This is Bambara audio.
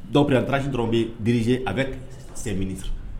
Dɔw bɛ tsi dɔrɔn bɛ ze a bɛ sɛ mini